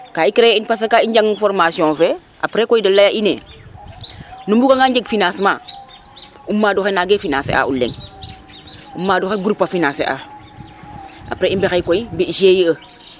ak i créer parce que ka i njang formation fe aprés koy de leya ine nu mbuga nga njeg financement u mado xe nange financer a o leŋ o mado xe groupe a financer a aprés i mbexey koy mbi Gie